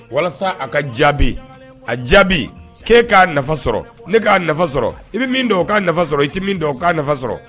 Walasa a ka jaabi a jaabi k' k'a nafa sɔrɔ ne k'a nafa sɔrɔ i bɛ min don k ka nafa sɔrɔ i tɛ min ka nafa sɔrɔ